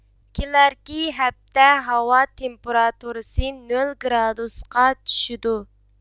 كېلەركى ھەپتە ھاۋا تېمپراتۇرىسى نۆل گرادۇسقا چۈشىدۇ